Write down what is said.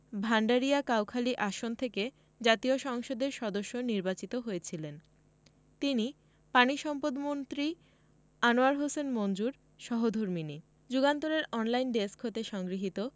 ভাণ্ডারিয়া কাউখালী আসন থেকে জাতীয় সংসদের সদস্য নির্বাচিত হয়েছিলেন তিনি পানিসম্পদমন্ত্রী আনোয়ার হোসেন মঞ্জুর সহধর্মিণী যুগান্তর এর অনলাইন ডেস্ক হতে সংগৃহীত